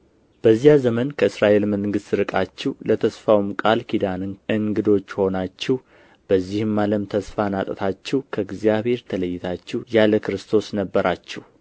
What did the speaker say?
በዚያ ዘመን ከእስራኤል መንግሥት ርቃችሁ ለተስፋውም ቃል ኪዳን እንግዶች ሆናችሁ በዚህም ዓለም ተስፋን አጥታችሁ ከእግዚአብሔርም ተለይታችሁ ያለ ክርስቶስ ነበራችሁ